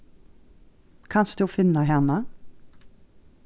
kanst tú finna hana